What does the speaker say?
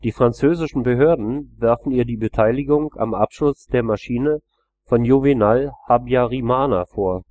französischen Behörden werfen ihr die Beteiligung am Abschuss der Maschine von Juvénal Habyarimana vor